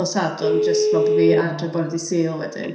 nos Sadwrn, jyst fel bo' fi... Ie. ...adre bore dydd Sul wedyn.